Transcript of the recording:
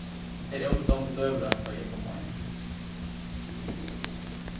tey ótu longu døgurða tá ið eg kom heim